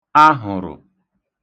ahụ̀rụ̀